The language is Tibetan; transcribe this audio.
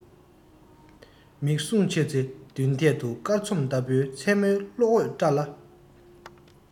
མིག ཟུང ཕྱེ ཚེ མདུན ཐད དུ སྐར ཚོམ ལྟ བུའི མཚན མོའི གློག འོད བཀྲ ལ